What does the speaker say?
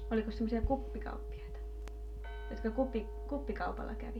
olikos semmoisia kuppikauppiaita jotka kuppikaupalla kävi